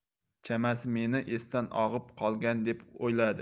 chamasi meni esdan og'ib qolgan deb o'yladi